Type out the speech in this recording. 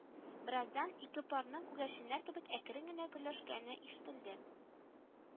Бераздан ике парның күгәрченнәр кебек әкрен генә гөрләшкәне ишетелде